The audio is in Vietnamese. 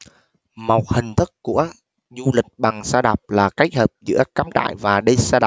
một hình thức của du lịch bằng xe đạp là kết hợp giữa cắm trại và đi xe đạp